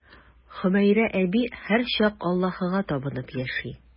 Хөмәйрә әби һәрчак Аллаһыга табынып яши.